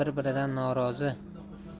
bir biridan norozi